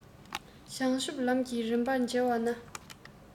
བྱང ཆུབ ལམ གྱི རིམ པར མཇལ བ ན